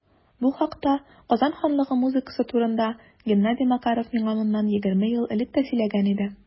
Бу хакта - Казан ханлыгы музыкасы турында - Геннадий Макаров миңа моннан 20 ел элек тә сөйләгән иде.